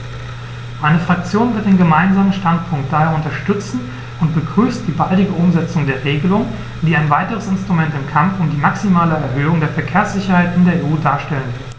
Meine Fraktion wird den Gemeinsamen Standpunkt daher unterstützen und begrüßt die baldige Umsetzung der Regelung, die ein weiteres Instrument im Kampf um die maximale Erhöhung der Verkehrssicherheit in der EU darstellen wird.